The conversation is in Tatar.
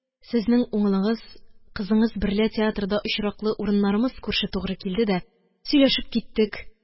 Сезнең угылыңыз, кызыңыз берлә театрда очраклы урыннарымыз күрше тугры килде дә сөйләшеп киттек.